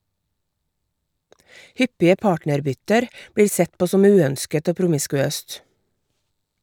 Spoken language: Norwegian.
Hyppige partnerbytter blir sett på som uønsket og promiskuøst.